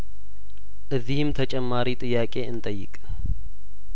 እዚህም ተጨማሪ ጥያቄ እንጠይቅ